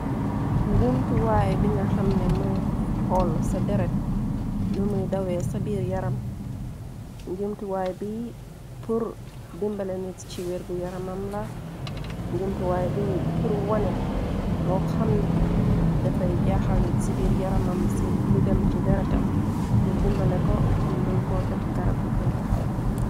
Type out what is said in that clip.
Njumtuwaaye bi nga xam ne moy xool sa deret nu muy dawee ca biir yaram. Njumtuwaaye biy pur dimbale nit ci wergu yaramam la. Njumtuwaaye bi pur wone lo xamne dafay jaaxal nit si biir yaramam si lu dem ci deretam, pur dimbale ko ñu mun ko jox garab yi koy taxaw.